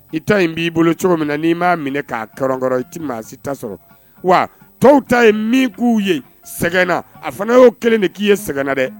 I ta in b'i bolo cogo min na n'i m'a minɛ k'akɔrɔ i maa si ta sɔrɔ wa tɔw ta ye min k'u ye sɛgɛnna a fana y'o kelen de k'i ye sɛgɛnna dɛ